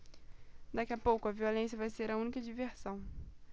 daqui a pouco a violência vai ser a única diversão